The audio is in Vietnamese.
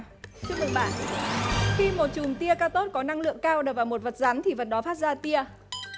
chúc mừng bạn khi một chùm tia ca tốt có năng lượng cao đập vào một vật rắn thì vật đó phát ra tia